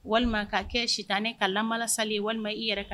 Walima ka kɛ si tan ne ka laba sali ye walima i yɛrɛ kan